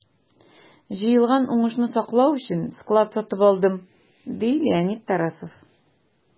Җыелган уңышны саклау өчен склад сатып алдым, - ди Леонид Тарасов.